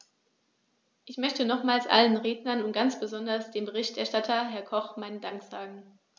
Ich möchte nochmals allen Rednern und ganz besonders dem Berichterstatter, Herrn Koch, meinen Dank sagen.